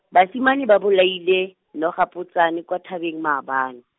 basimane ba bolaile, nogapotsane kwa thabeng maabane.